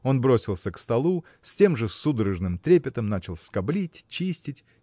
Он бросился к столу с тем же судорожным трепетом начал скоблить чистить